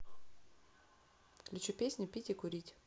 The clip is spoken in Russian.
включи песню пить и курить